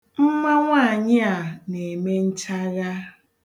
Mma nwaanyị a na-eme nchagha.